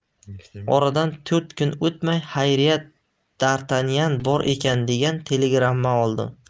oradan to'rt kun o'tmay xayriyat dartanyan bor ekan degan telegramma oldi